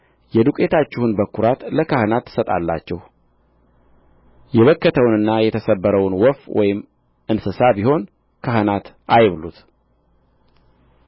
የዱቄታችሁን በኵራት ለካህናቱ ትሰጣላችሁ የበከተውንና የተሰበረውን ወፍ ወይም እንስሳ ቢሆን ካህናት አይብሉት